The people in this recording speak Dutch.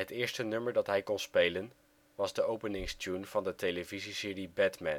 eerste nummer dat hij kon spelen was de openingstune van de televisieserie Batman. Hij